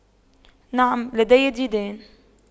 نعم لدي ديدان